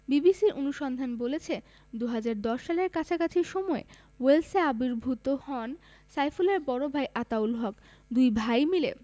বিবিসির অনুসন্ধান বলছে ২০১০ সালের কাছাকাছি সময়ে ওয়েলসে আবির্ভূত হন সাইফুলের বড় ভাই আতাউল হক দুই ভাই মিলে